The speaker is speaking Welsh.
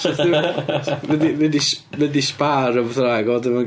Mynd, mynd i, mynd i Spar a beth bynnag a wedyn mae'n...